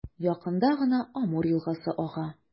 Якында гына Амур елгасы ага.